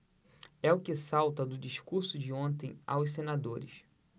é o que salta do discurso de ontem aos senadores